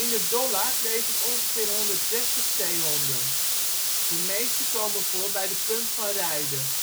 de Dollard leven ongeveer 160 zeehonden. De meeste komen voor bij de Punt van Reide